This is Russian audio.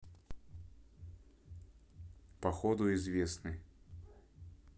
походу известны